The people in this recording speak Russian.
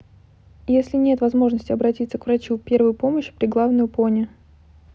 если нет возможности обратиться к врачу первую помощь при главную пони